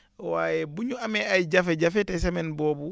waaye bu ñu amee ay jafe-jafe te semaine boobu